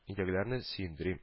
Өйдәгеләрне сөендерим